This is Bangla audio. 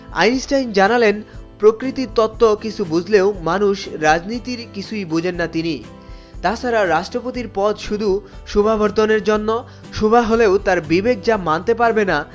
আইনস্টাইন জানালেন প্রকৃতির তত্ত্ব কিছু বুঝলেও মানুষ রাজনীতির কিছুই বোঝেন না তিনি তাছাড়া রাস্ট্রপতির পদ শুধু শোভাবর্ধনের জন্য শোভা হলেও তার বিবেক যা মানতে পারবে না